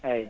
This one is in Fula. eeyi